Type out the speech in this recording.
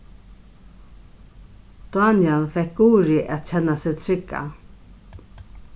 dánjal fekk guðrið at kenna seg trygga